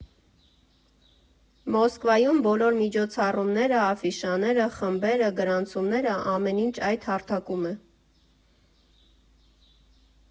Մոսկվայում բոլոր միջոցառումները, աֆիշաները, խմբերը, գրանցումները՝ ամեն ինչ այդ հարթակում է։